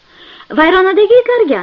vayronadagi itlarga